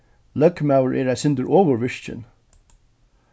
løgmaður er eitt sindur ovurvirkin